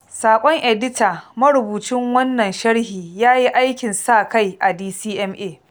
Saƙon Edita: Marubucin wannan sharhi ya yi aikin sa kai a DCMA.